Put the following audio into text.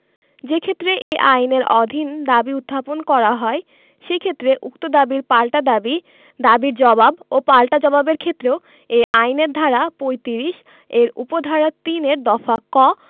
যেইক্ষেত্রে এই আইনের অধীন দাবী উত্থাপন করা হয় সেইক্ষেত্রে উক্ত দাবীর পাল্টা দাবী দাবীর জব্ব ও পাল্টা জবাবের ক্ষেত্রেও এই আইনের ধারা ৩৫ এর উপ ধারা ৩ এর দফা ক